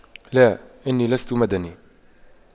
لا إني لست مدني